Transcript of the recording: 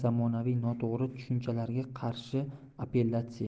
zamonaviy noto'g'ri tushunchalarga qarshi apellyatsiya